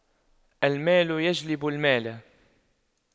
المال يجلب المال